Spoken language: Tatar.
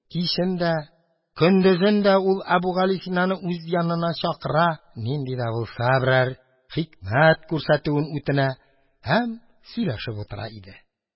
Кичен дә, көндезен дә ул Әбүгалисинаны үз янына чакыра, нинди дә булса берәр хикмәт күрсәтүен үтенә һәм сөйләшеп утыра иде.